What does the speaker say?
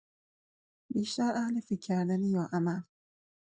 بیشتر اهل فکر کردنی یا عمل؟